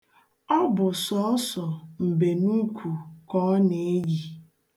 Ọ bụ sọọsọ mbenuukwu ka ọ na-eyi.